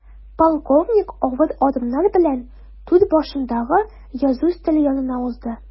Полковник авыр адымнар белән түр башындагы язу өстәле янына узды.